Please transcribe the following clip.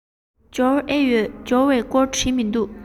འབྱོར ཨེ ཡོད འབྱོར བའི སྐོར བྲིས མི འདུག